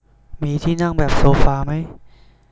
มีที่นั่งแบบโซฟามั้ย